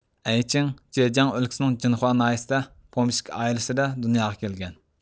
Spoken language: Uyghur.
ئەيچىڭ جېجياڭ ئۆلكىسىنىڭ جىنخۇا ناھىيىسىدە پومشىچىك ئائىلىسىدە دۇنياغا كەلگەن